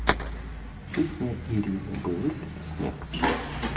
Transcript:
песня ирины билык снег